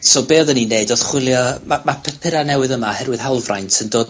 So, be' odden ni'n neud odd chwilio... Ma' ma' papura' newydd yma, 'herwydd hawlfraint, yn dod